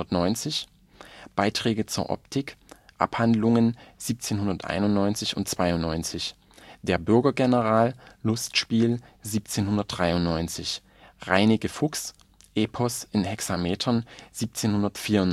1790) Beiträge zur Optik (Abhandlungen, 1791 / 92) Der Bürgergeneral (Lustspiel, 1793) Reineke Fuchs (Epos in Hexametern, 1794